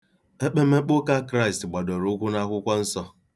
Ekpemekpe Ụka Kraịst gbadoro ụkwụ n'Akwụkwọ Nsọ.